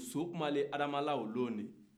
so kumana adama la o dɔn dɛ